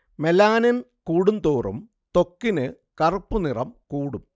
melanin കൂടുംതോറും ത്വക്കിന് കറുപ്പു നിറം കൂടും